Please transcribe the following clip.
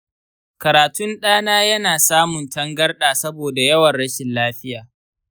karatun ɗana yana samun tangarɗa saboda yawan rashin lafiya.